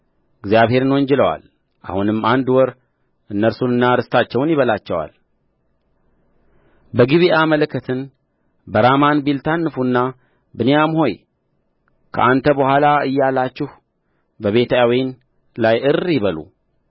እግዚአብሔርን ወንጅለዋል አሁንም አንድ ወር እነርሱንና ርስታቸውን ይበላቸዋል በጊብዓ መለከትን በራማ እንቢልታን ንፉና ብንያም ሆይ ከአንተ በኋላ እያላችሁ በቤትአዌን ላይ እሪ በሉ